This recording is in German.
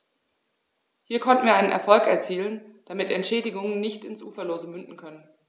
Hier konnten wir einen Erfolg erzielen, damit Entschädigungen nicht ins Uferlose münden können.